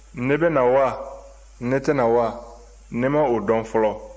ne bɛ na wa ne tɛ na wa ne ma o dɔn fɔlɔ